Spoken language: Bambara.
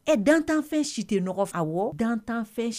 Ɛ dan tanfɛn si tɛɔgɔn fɛ wa dan tanfɛn si